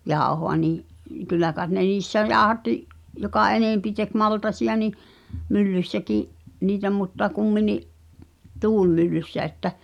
jauhoa niin kyllä kai ne niissä jauhatti joka enempi teki maltaita niin myllyssäkin niitä mutta kumminkin tuulimyllyssä että